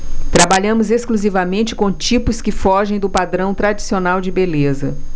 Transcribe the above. trabalhamos exclusivamente com tipos que fogem do padrão tradicional de beleza